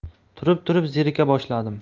turib turib zerika boshladim